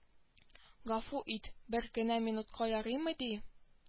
Гафу ит бер генә минутка ярыймы ди